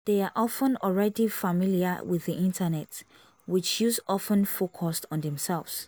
- They are often already familiar with the Internet, with use often focused on themselves.